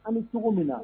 An ni cogo min na